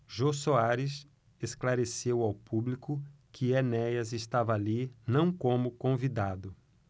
jô soares esclareceu ao público que enéas estava ali não como convidado